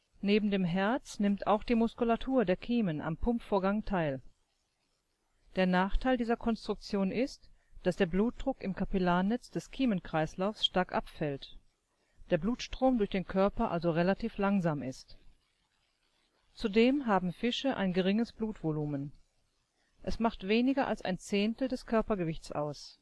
Neben dem Herz nimmt auch die Muskulatur der Kiemen am Pumpvorgang teil. Der Nachteil dieser Konstruktion ist, dass der Blutdruck im Kapillarnetz des Kiemenkreislaufs stark abfällt, der Blutstrom durch den Körper also relativ langsam ist. Zudem haben Fische ein geringes Blutvolumen. Es macht weniger als ein Zehntel des Körpergewichts aus